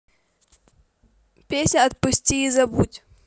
песня отпусти и забудь